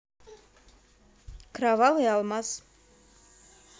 кровавый алмаз